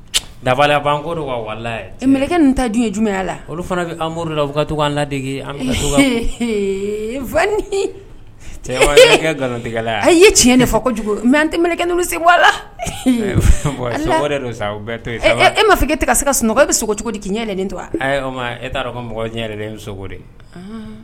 Dalaan ka mkɛ nin ta dun ye jumɛnya la olu fana bɛ to an lade an la ye tiɲɛ ne ko kojugu mɛ an tɛ mkɛ se la sa bɛɛ e mafe se ka sunɔgɔ bɛ sogo cogo di' ɲɛ nin to e taaraa mɔgɔ yɛrɛ dɛ